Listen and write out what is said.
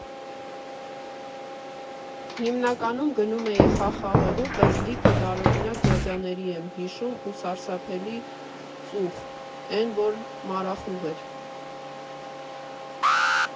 Հիմնականում գնում էի խաղ խաղալու, բայց լիքը տարօրինակ ձյաձյաների եմ հիշում ու սարսափելի ծուխ՝ էն որ մառախուղ էր։